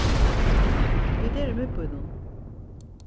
vit eru í miðbýnum